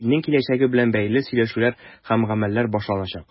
Илнең киләчәге белән бәйле сөйләшүләр һәм гамәлләр башланачак.